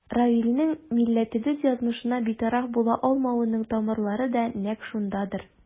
Равилнең милләтебез язмышына битараф була алмавының тамырлары да нәкъ шундадыр.